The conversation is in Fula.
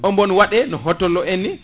o mon waɗe no hottollo en ni